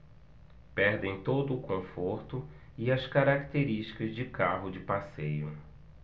perdem todo o conforto e as características de carro de passeio